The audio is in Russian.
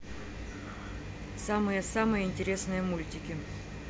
самые самые интересные мультики